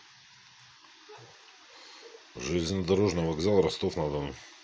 железнодорожный вокзал ростов на дону